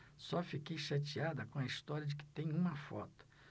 só fiquei chateada com a história de que tem uma foto